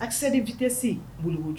Excès de vitesse